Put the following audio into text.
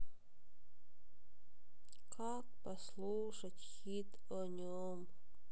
как послушать хит о нем